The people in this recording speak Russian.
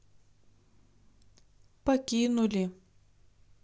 покинули